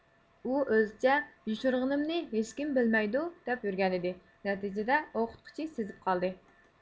ئۇ ئۆزىچە يوشۇرغىنىمنى ھېچكىم بىلمەيدۇ دەپ يۈرگەنىدى نەتىجىدە ئوقۇتقۇچى سېزىپ قالدى